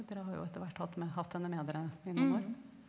dere har jo etter hvert hatt med hatt henne med dere i noen år.